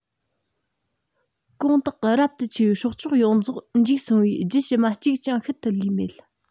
གོང དག གི རབ ཏུ ཆེ བའི སྲོག ཆགས ཡོངས རྫོགས འཇིག སོང བས རྒྱུད ཕྱི མ གཅིག ཀྱང ཤུལ དུ ལུས མེད